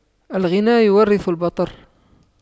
الغنى يورث البطر